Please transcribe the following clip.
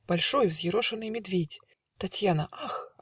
Большой, взъерошенный медведь; Татьяна ах!